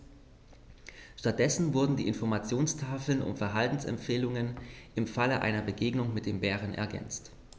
Stattdessen wurden die Informationstafeln um Verhaltensempfehlungen im Falle einer Begegnung mit dem Bären ergänzt.